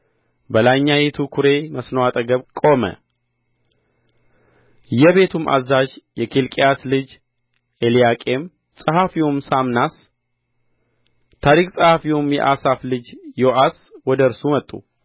በላይኛይቱ ኵሬ መስኖ አጠገብ ቆመ የቤቱም አዛዥ የኬልቅያስ ልጅ ኤልያቄም ጸሐፊውም ሳምናስ ታሪክ ጸሐፊም የአሳፍ ልጅ ዮአስ ወደ እርሱ ወጡ